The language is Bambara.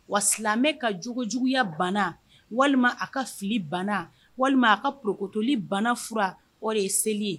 Wa silamɛmɛ ka jjuguya bana walima a ka fili bana walima a ka ptɔlibana furu o de ye seli ye